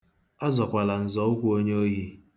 Azọkwala nzọụkwụ onye ohi.